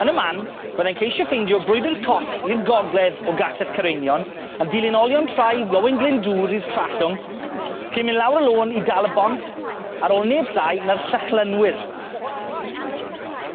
Yn y man byddai'n ceisio ffeindio brwydyr coll i'r gogledd o gastell Caerenion yn dilyn olion traed Iowen Glyndŵr i'r Trallwng yn myn' lawr y lôn i Dal y Bont ar ôl neb llai na'r Llychlynwyr.